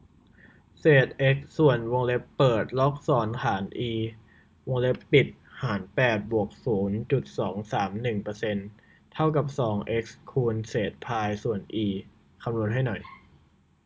เศษเอ็กซ์ส่วนวงเล็บเปิดล็อกสองฐานอีวงเล็บปิดหารแปดบวกศูนย์จุดสองสามหนึ่งเปอร์เซ็นต์เท่ากับสองเอ็กซ์คูณเศษพายส่วนอีคำนวณให้หน่อย